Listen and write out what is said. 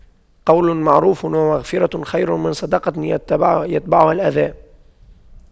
قَولٌ مَّعرُوفٌ وَمَغفِرَةُ خَيرٌ مِّن صَدَقَةٍ يَتبَعُهَا أَذًى